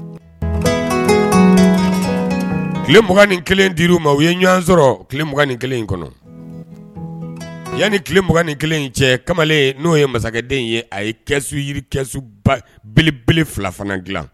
Tile ni kelen di ma o ye ɲɔgɔn sɔrɔ tile ni kelen in kɔnɔ yan ni tile ni in cɛ kamalen n'o ye masakɛden ye a ye kɛsu yiri kɛsu belebele fila fana dilan